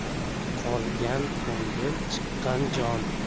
qolgan ko'ngil chiqqan jon